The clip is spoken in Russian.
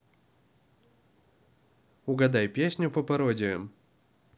угадай песню по пародиям